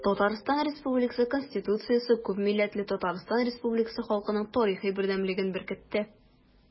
Татарстан Республикасы Конституциясе күпмилләтле Татарстан Республикасы халкының тарихы бердәмлеген беркетте.